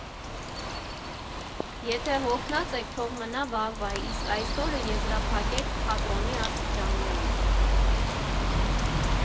Եթե հոգնած եք, թող մնա վաղվա, իսկ այսօր օրը եզրափակեք թատրոնի աստիճաններին։